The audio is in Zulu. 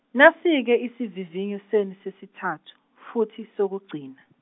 nasi ke isivivinyo senu sesithathu futhi sokugcina.